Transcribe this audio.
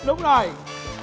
đúng rồi